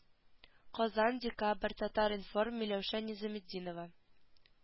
Казан декабрь татар-информ миләүшә низаметдинова